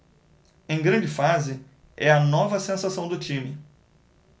em grande fase é a nova sensação do time